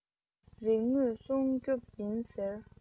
རིག དངོས སྲུང སྐྱོབ ཡིན ཟེར